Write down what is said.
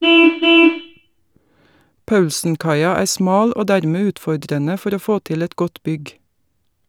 Paulsenkaia er smal og dermed utfordrende for å få til et godt bygg.